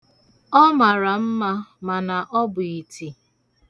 Ọ mara mma mana ọ bụ iti.